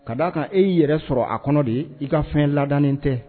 Ka d'a kan e y'i yɛrɛ sɔrɔ a kɔnɔ de i ka fɛn ladannen tɛ